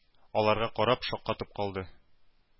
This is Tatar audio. Аларга карап шаккатып калды.